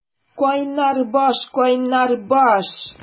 Кайнар баш, кайнар баш!